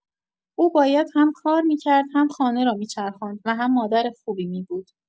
او باید هم کار می‌کرد، هم‌خانه را می‌چرخاند و هم مادر خوبی می‌بود.